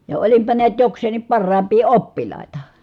ja olinpa näet jokseenkin parhaimpia oppilaita